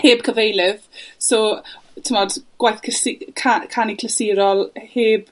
heb cyfeilydd. So t'mod, gwaith casu- ca- canu clasurol heb